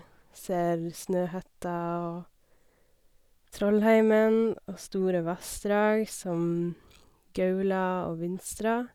Ser Snøhetta og Trollheimen, og store vassdrag som Gaula og Vinstra.